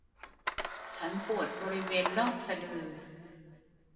ฉันปวดบริเวณรอบสะดือ